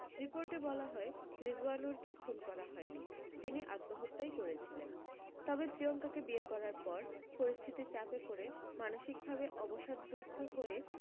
রিপোর্টে বলা হয় রিজওয়ানুরকে খুন করা হয়নি তিনি আত্মহত্যাই করেছিলেন তবে প্রিয়ঙ্কাকে বিয়ে করার পর পরিস্থিতির চাপে পড়ে মানসিক ভাবে অবসাদগ্রস্ত হয়ে